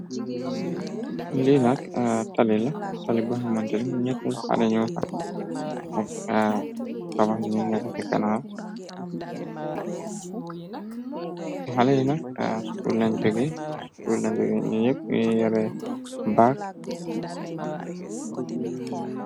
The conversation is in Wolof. Linak tali lax tali baxamantel ñete xale ñu fax ak kawax ni ngatafi kanarxnakskuul la njëge ñu yepp yare baak.